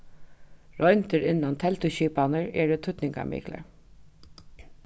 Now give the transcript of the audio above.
royndir innan telduskipanir eru týdningarmiklar